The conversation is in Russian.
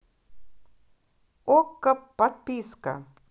окко подписка